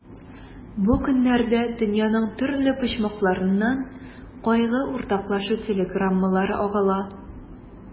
Бу көннәрдә дөньяның төрле почмакларыннан кайгы уртаклашу телеграммалары агыла.